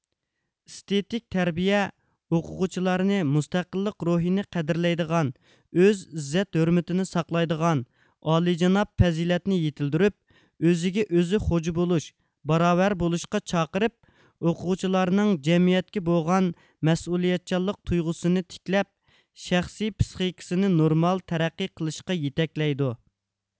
ئىستىتىك تەربىيە ئوقۇغۇچىلارنى مۇستەقىللىق روھىنى قەدىرلەيدىغان ئۆز ئىززەت ھۆرمىتىنى ساقلايدىغان ئالىجاناپ پەزىلەتنى يېتىلدۈرۈپ ئۆزىگە ئۆزى خوجا بولۇش باراۋەر بولۇشقا چاقىرىپ ئوقۇغۇچىلارنىڭ جەمئىيەتكە بولغان مەسئۇلىيەتچانلىق تۇيغىسىنى تىكلەپ شەخسىي پىسخىكىسىنى نورمال تەرەققى قىلىشقا يىتەكلەيدۇ